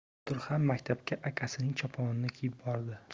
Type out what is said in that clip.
bultur ham maktabga akasining choponini kiyib bordi